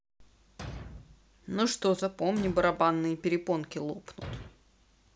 ну что запомни барабанные перепонки лопнут